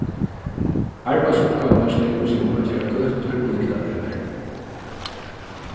arbeiðsuppgávurnar snúðu seg um at gera gøtur og lyktarpelar